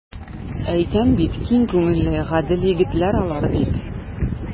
Әйтәм бит, киң күңелле, гадел егетләр алар, дип.